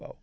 waaw